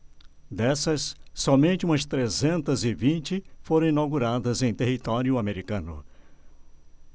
dessas somente umas trezentas e vinte foram inauguradas em território americano